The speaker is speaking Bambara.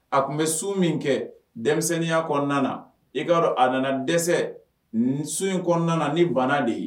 A tun bɛ su min kɛ denmisɛnninya kɔnɔna e kaa a nana dɛsɛ su in kɔnɔna ni banna de ye